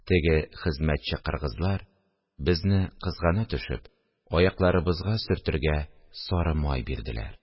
Теге хезмәтче кыргызлар, безне кызгана төшеп, аякларыбызга сөртергә сары май бирделәр